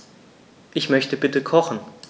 Ich möchte bitte kochen.